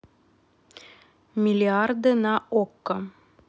миллиарды на окко